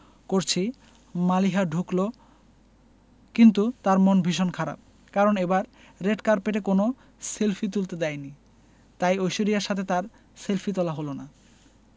করছি মালিহা ঢুকলো কিন্তু তার মন ভীষণ খারাপ কারণ এবার রেড কার্পেটে কোনো সেলফি তুলতে দেয়নি তাই ঐশ্বরিয়ার সাথে তার সেলফি তোলা হলো না